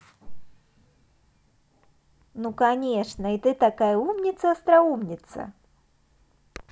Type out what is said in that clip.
ну конечно и ты такая умница остроумница